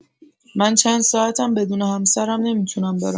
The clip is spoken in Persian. من چند ساعتم بدون همسرم نمی‌تونم برم.